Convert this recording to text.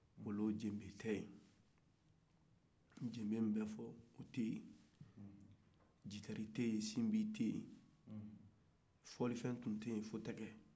o y'a sɔrɔ jenbe tɛ yen gitari tɛ yen fɔlifɛn kelen min tun be ye o tun ye tɛgɛ de ye